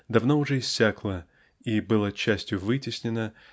давно уже иссякло и было частью вытеснено